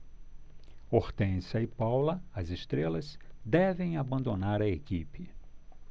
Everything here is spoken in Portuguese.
hortência e paula as estrelas devem abandonar a equipe